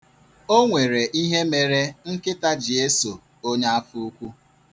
O nwere ihe mere nkịta ji eso onye afọ ukwu.